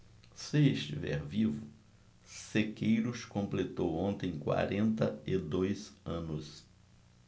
se estiver vivo sequeiros completou ontem quarenta e dois anos